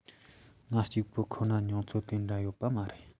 ང གཅིག པུ ཁོ ན མྱོང ཚོར དེ འདྲ ཡོད པ མ རེད